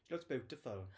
She looks beautiful.